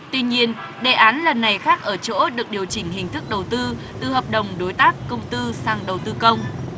tuy nhiên đề án lần này khác ở chỗ được điều chỉnh hình thức đầu tư từ hợp đồng đối tác công tư sang đầu tư công